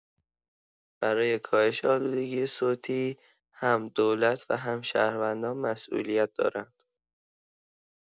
برای کاهش آلودگی صوتی، هم دولت و هم شهروندان مسئولیت دارند.